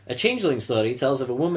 A changeling story tells of a woman